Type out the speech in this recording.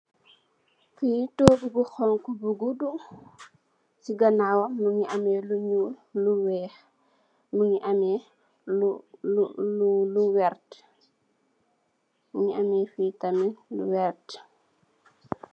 Togou bou konku bou guddou ci gannaw wam mougui ammeh lou nyull lou weck mougui ammeh lou werrte mougui ammeh fi tammit lou werrte.